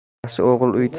yaxshi o'g'il uy tuzar